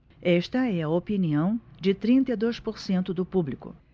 esta é a opinião de trinta e dois por cento do público